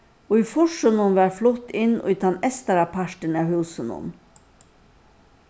í fýrsunum varð flutt inn í tann eystara partin av húsinum